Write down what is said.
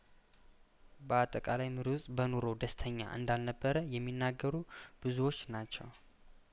በአጠቃላይ ምሩጽ በኑሮው ደስተኛ እንዳልነበር የሚናገሩ ብዙዎች ናቸው